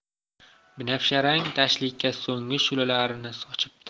binafsharang dashtlikka so'nggi shu'lalarini sochibdi